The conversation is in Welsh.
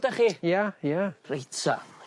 ...'dach chi? Ia ia. Reit 'ta.